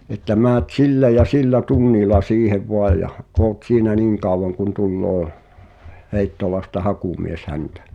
että menet sillä ja sillä tunnilla siihen vain ja olet siinä niin kauan kuin tulee Heittolasta hakumies häntä